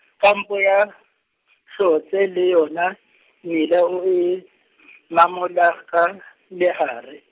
kampo ya, Hlotse, le yona, mmila o e , mamola, ka, lehare.